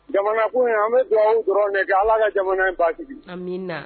Jamanakun an bɛ jɔ dɔrɔn kɛ ala ka jamana in ba sigi